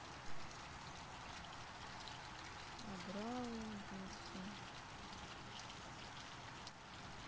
абрау дюрсо